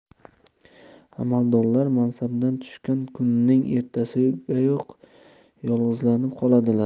amaldorlar mansabdan tushgan kunning ertasigayoq yolg'izlanib qoladilar